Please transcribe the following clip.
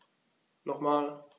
Nochmal.